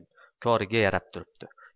koriga yarab turibdi